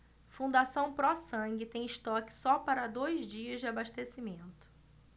fundação pró sangue tem estoque só para dois dias de abastecimento